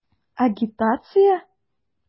Агитация?!